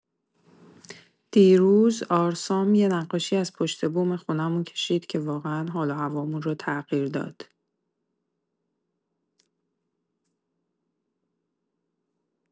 دیروز آرسام یه نقاشی از پشت بوم خونمون کشید که واقعا حال و هوامون رو تغییر داد!